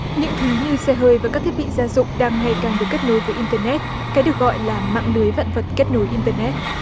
những thứ như xe hơi với các thiết bị gia dụng đang ngày càng được kết nối với in tơ nét cái được gọi là mạng lưới vạn vật kết nối in tơ nét